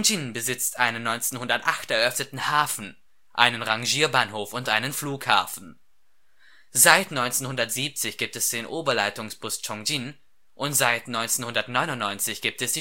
ŏngjin besitzt einen 1908 eröffneten Hafen, einen Rangierbahnhof und einen Flughafen. Seit 1970 gibt es den Oberleitungsbus Ch’ ŏngjin und seit 1999 gibt es